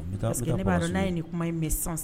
'a n'a ye nin kuma in mɛn san